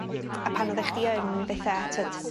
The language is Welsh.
A pan o'ddech chdi yn fetha t'od